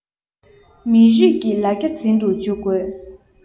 མི རིགས ཀྱི ལ རྒྱ འཛིན དུ འཇུག དགོས